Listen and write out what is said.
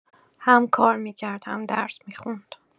هم کار می‌کرد هم درس می‌خوند.